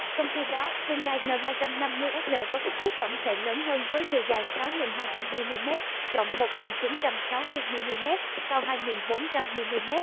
trong khi đó hyundai n có kích thước tổng thể lớn hơn với chiều dài mm rộng mm cao mm